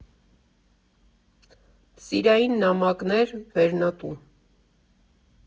«Սիրային նամակներ», «Վերնատուն»